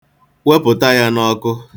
Wepụta ya n'ọkụ.